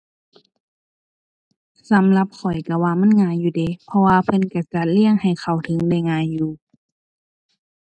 สำหรับข้อยก็ว่ามันง่ายอยู่เดะ เพราะว่าเพิ่นก็จะเรียงให้เข้าถึงได้ง่ายอยู่